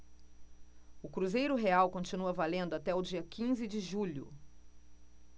o cruzeiro real continua valendo até o dia quinze de julho